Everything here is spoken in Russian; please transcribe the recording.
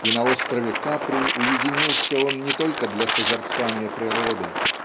И на острове Капри уединился он не только для созерцания природы